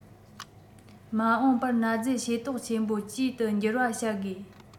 མ འོངས པར གནའ རྫས ཤེས རྟོགས ཆེན པོ བཅུའི ཏུ འགྱུར བ བྱ དགོས